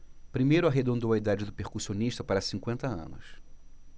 primeiro arredondou a idade do percussionista para cinquenta anos